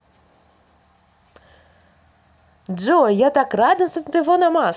джой я так радостно ты ваномас